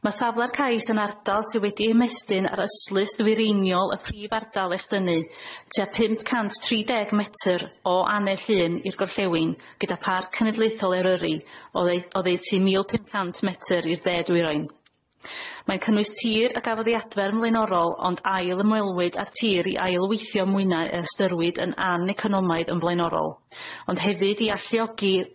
Ma' safle'r cais yn ardal sy wedi ymestyn ar yslys ddwyreiniol y prif ardal echdynnu tua pump cant tri deg metyr o anell un i'r gorllewin gyda Parc Cenedlaethol Eryri odde- oddeutu mil pump cant metyr i'r dde dwyrain. Mae'n cynnwys tir a gafodd ei adfer y' mlaenorol ond ail ymwelwyd â'r tir i ail weithio mwyna a ystyrwyd yn aneconomaidd yn flaenorol ond hefyd i alluogi'r